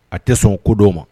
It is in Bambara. A tɛ sɔn ko dɔ ma.